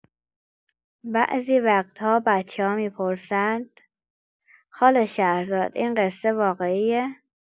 بعضی وقت‌ها بچه‌ها می‌پرسیدن: خاله شهرزاد، این قصه واقعیه؟